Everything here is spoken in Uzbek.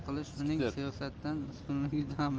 qilish uning siyosatdan ustunligini ta'minlash